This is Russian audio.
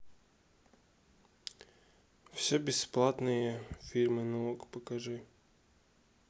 все бесплатные фильмы на окко покажи